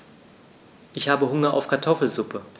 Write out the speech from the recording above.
Ich habe Hunger auf Kartoffelsuppe.